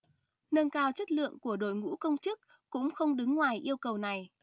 nâng cao chất lượng của đội ngũ công chức cũng không đứng ngoài yêu cầu này